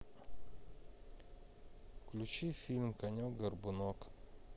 включи фильм конек горбунок